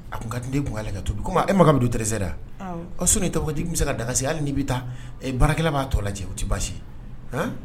A tun ka taa den la ka to e madu don tisɛ da a sun tɔgɔ di bɛ se ka daga hali ni' bɛ taa barakɛ b'a tɔ la lajɛ jɛ o tɛ baasi